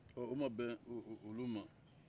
o ma bɛn olu ma